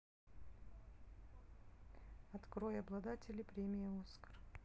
открой обладатели премии оскар